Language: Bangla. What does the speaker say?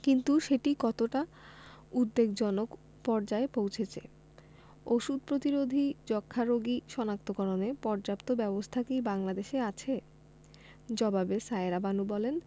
কিন্তু সেটি কতটা উদ্বেগজনক পর্যায়ে পৌঁছেছে ওষুধ প্রতিরোধী যক্ষ্মা রোগী শনাক্তকরণে পর্যাপ্ত ব্যবস্থা কি বাংলাদেশে আছে জবাবে সায়েরা বানু বলেন